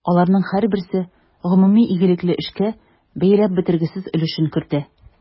Аларның һәрберсе гомуми игелекле эшкә бәяләп бетергесез өлешен кертә.